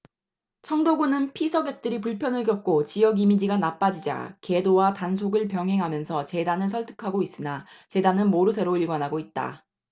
청도군은 피서객들이 불편을 겪고 지역 이미지가 나빠지자 계도와 단속을 병행하면서 재단을 설득하고 있으나 재단은 모르쇠로 일관하고 있다